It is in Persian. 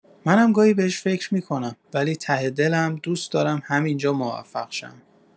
منم گاهی بهش فکر می‌کنم، ولی ته دلم دوست دارم همین‌جا موفق شم.